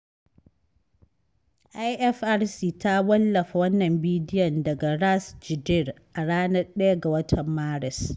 IFRC ta wallafa wannan bidiyon daga Ras Jdir a ranar 1 ga watan Maris.